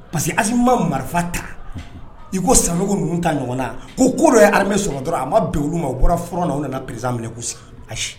Parce que ali ma marifa ta i ko sanu ninnu ta ɲɔgɔn na ko ko dɔ ye hamɛ sɔrɔ dɔrɔn a ma bɛn olu ma bɔra fɔlɔ nana perezsa minɛ ayi